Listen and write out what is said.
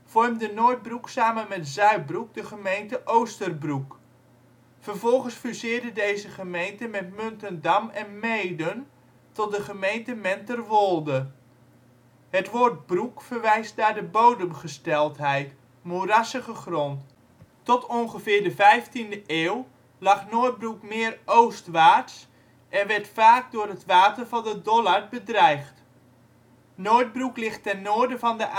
vormde Noordbroek samen met Zuidbroek de gemeente Oosterbroek. Vervolgens fuseerde deze gemeente met Muntendam en Meeden tot de gemeente Menterwolde. Het woord broek verwijst naar de bodemgesteldheid: moerassige grond. Tot ongeveer de 15e eeuw lag Noordbroek meer oostwaarts en werd vaak door het water van de Dollard bedreigd. Noordbroek ligt ten noorden van de